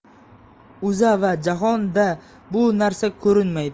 o'za va jahon da bu narsa ko'rinmaydi